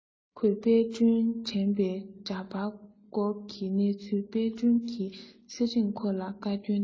ཁོས དཔལ སྒྲོན དྲན པའི འདྲ པར བསྐོར གྱི གནས ཚུལ དཔལ སྒྲོན གྱི ཚེ རིང ཁོ ལ བཀའ བསྐྱོན བཏང